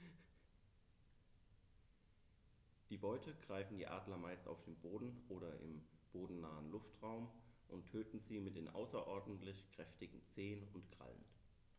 Die Beute greifen die Adler meist auf dem Boden oder im bodennahen Luftraum und töten sie mit den außerordentlich kräftigen Zehen und Krallen.